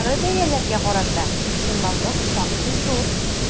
Югары бәяләргә карата ихтималлык шактый зур.